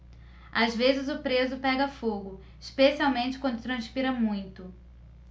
às vezes o preso pega fogo especialmente quando transpira muito